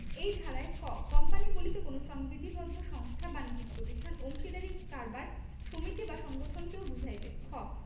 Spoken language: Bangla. এই ধারায়ঃ ক কোম্পানী বলিতে কোন সংবিধিবদ্ধ সংস্থা বাণিজ্যিক প্রতিষ্ঠান অংশীদারী কারবার সমিতি বা সংগঠনকেও বুঝাইবে খ